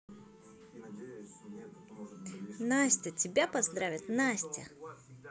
настя тебя поздравит настя